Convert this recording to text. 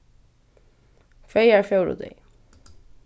hvagar fóru tey